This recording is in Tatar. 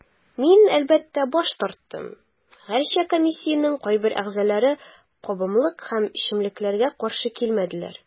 Мин, әлбәттә, баш тарттым, гәрчә комиссиянең кайбер әгъзаләре кабымлык һәм эчемлекләргә каршы килмәделәр.